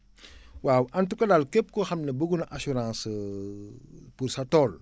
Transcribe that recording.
waaw en tout cas daal képp koo xam ne bugg na assurance pour sa tool